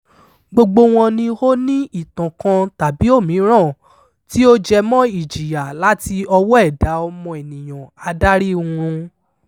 Gbogbo wọn ni ó ní ìtàn kan tàbí òmíràn tí ó jẹ mọ́ ìjìyà láti ọwọ́ ẹ̀dá ọmọ ènìyàn adáríhununrun.